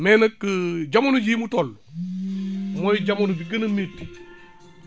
mais nag jamono bii mu toll mooy jamono ju gën a métti